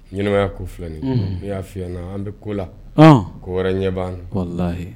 Ɲya ko filan n y'a fi na an bɛ ko la ko wɛrɛ ɲɛ' la